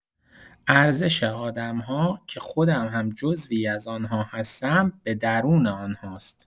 ارزش آدم‌ها، که خودم هم جزوی از آن‌ها هستم، به درون آن‌هاست.